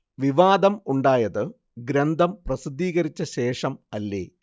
വിവാദം ഉണ്ടായത് ഗ്രന്ഥം പ്രസിദ്ധീകരിച്ച ശേഷം അല്ലേ